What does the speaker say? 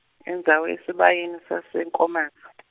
endzaweni Sibayeni sase eNkomazi.